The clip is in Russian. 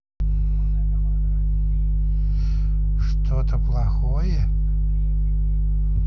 что то плохое